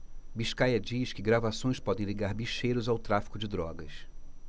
biscaia diz que gravações podem ligar bicheiros ao tráfico de drogas